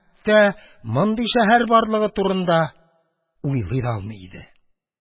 Аның дөньяда мондый шәһәрне һич тә күргәне юк иде.